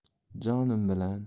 jonim bilan